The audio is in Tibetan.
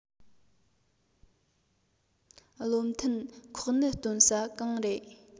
བློ མཐུན ཁོག ནད སྟོན ས གང རེད